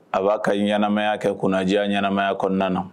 A b'a ka ɲɛnaanamaya kɛ kunnanadiya ɲɛnaanamaya kɔnɔna na